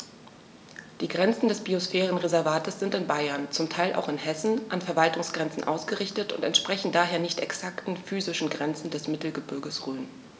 Die Grenzen des Biosphärenreservates sind in Bayern, zum Teil auch in Hessen, an Verwaltungsgrenzen ausgerichtet und entsprechen daher nicht exakten physischen Grenzen des Mittelgebirges Rhön.